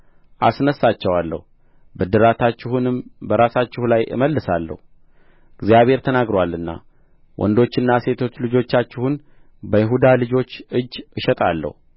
አስነሣቸዋለሁ ብድራታችሁንም በራሳችሁ ላይ እመልሳለሁ እግዚአብሔር ተናግሮአልና ወንዶችና ሴቶች ልጆቻችሁን በይሁዳ ልጆች እጅ እሸጣለሁ